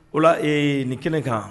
O nin kɛnɛ kan